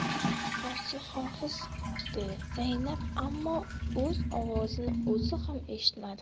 hozir dedi zaynab ammo o'z ovozini o'zi ham eshitmadi